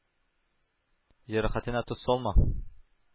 Җәрәхәтенә тоз салма“,